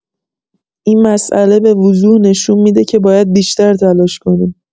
این مسئله به‌وضوح نشون می‌ده که باید بیشتر تلاش کنیم.